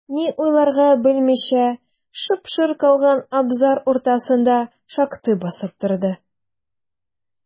Ни уйларга белмичә, шып-шыр калган абзар уртасында шактый басып торды.